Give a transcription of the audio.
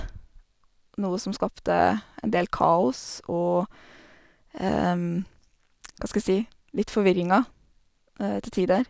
Noe som skapte en del kaos og, hva skal jeg si, litt forvirringer til tider.